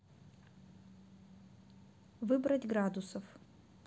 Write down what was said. выбрать градусов